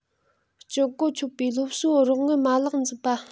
སྤྱོད གོ ཆོད པའི སློབ གསོའི རོགས དངུལ མ ལག འཛུགས པ